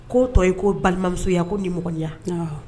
K'o tɔ ye ko balimamusoya ko ni mɔgɔnya